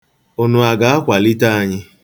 Unu a ga-akwalite anyị?